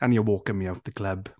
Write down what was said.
And you're walking me out the club.